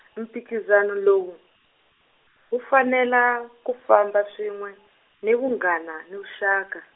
mphikizano lowu, wu fanela, ku famba swin'we ni vunghana ni vuxaka.